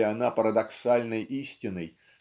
ли она парадоксальной истиной